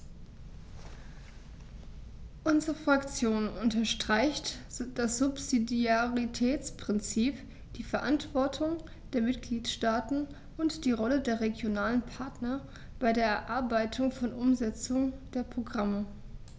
Unsere Fraktion unterstreicht das Subsidiaritätsprinzip, die Verantwortung der Mitgliedstaaten und die Rolle der regionalen Partner bei der Erarbeitung und Umsetzung der Programme.